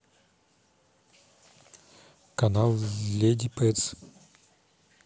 канал леди петс